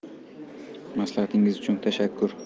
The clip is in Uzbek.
maslahatingiz uchun tashakkur